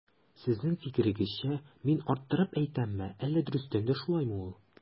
Сезнең фикерегезчә мин арттырып әйтәмме, әллә дөрестән дә шулаймы ул?